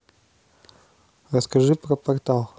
расскажи про портал